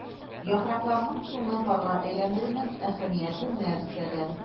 Яфракларның суны парга әйләндерүнең әһәмияте нәрсәдә?